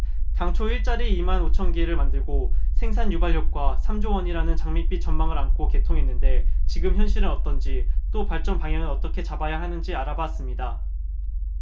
당초 일자리 이 만 오 천 개를 만들고 생산 유발효과 삼 조 원이라는 장밋빛 전망을 안고 개통했는데 지금 현실은 어떤지 또 발전 방향은 어떻게 잡아야 하는지를 알아봤습니다